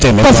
temed waw